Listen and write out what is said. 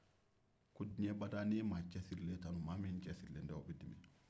a ko diɲɛ bada n'i ye maacɛsirilen ta maa min cɛsirilen tɛ o bɛ dimi